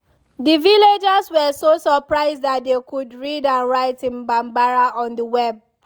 The villagers were so surprised that they could read and write in Bambara on the Web!